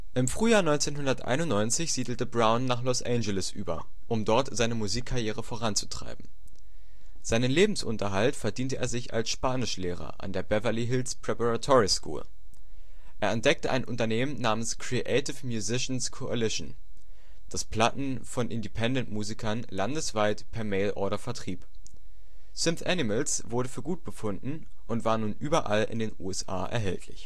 Im Frühjahr 1991 siedelte Brown nach Los Angeles über, um dort seine Musikkarriere voranzutreiben. Seinen Lebensunterhalt verdiente er sich als Spanischlehrer an der Beverly Hills Preparatory School. Er entdeckte ein Unternehmen namens Creative Musicians Coalition (CMC), das Platten von Independent-Musikern landesweit per Mailorder vertrieb. SynthAnimals wurde für gut befunden und war nun überall in den USA erhältlich